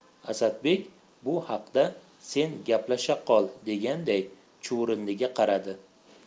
asadbek bu haqda sen gaplasha qol deganday chuvrindiga qaradi